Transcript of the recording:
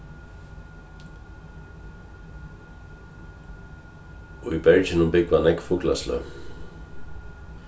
í berginum búgva nógv fuglasløg